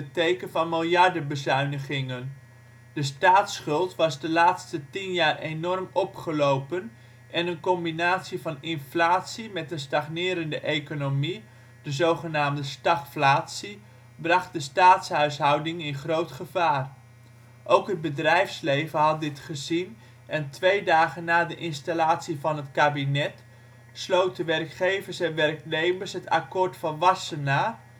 teken van miljarden-bezuinigingen. De staatsschuld was de laatste tien jaar enorm opgelopen, en een combinatie van inflatie met een stagnerende economie, de zgn. stagflatie, bracht de staatshuishouding in groot gevaar. Ook het bedrijfsleven had dit gezien, en 2 dagen na de installatie van het kabinet sloten werkgevers en werknemers het Akkoord van Wassenaar